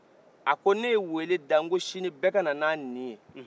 a ko ne ye weele da nko sini bɛɛ kana nin a nin ye